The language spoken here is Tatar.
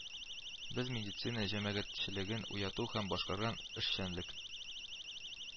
Без медицина җәмәгатьчелеген уяту һәм башкарган эшчәнлек